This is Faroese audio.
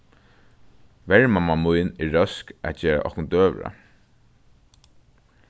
vermamma mín er røsk at gera okkum døgurða